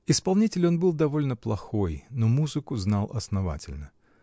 Исполнитель он был довольно плохой, но музыку знал основательно.